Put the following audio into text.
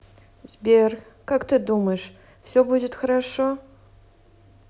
сбер как ты думаешь все будет хорошо